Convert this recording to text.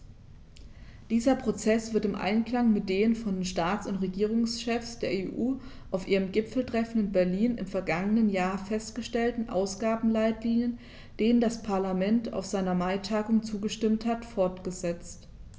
Dieser Prozess wird im Einklang mit den von den Staats- und Regierungschefs der EU auf ihrem Gipfeltreffen in Berlin im vergangenen Jahr festgelegten Ausgabenleitlinien, denen das Parlament auf seiner Maitagung zugestimmt hat, fortgesetzt.